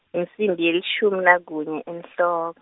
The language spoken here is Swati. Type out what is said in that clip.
yinsimbi yelishumi nakunye enhlo-.